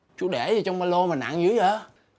chú để gì trong ba lô mà nặng dữ dợ